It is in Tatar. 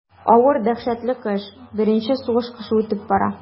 Авыр дәһшәтле кыш, беренче сугыш кышы үтеп бара.